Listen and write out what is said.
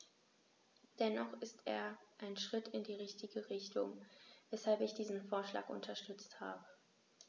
Dennoch ist er ein Schritt in die richtige Richtung, weshalb ich diesen Vorschlag unterstützt habe.